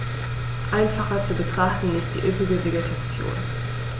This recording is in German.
Einfacher zu betrachten ist die üppige Vegetation.